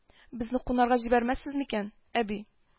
Безне кунарга җибәрмәссез микән, әби